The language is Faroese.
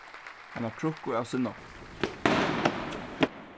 eina krukku av sinnopi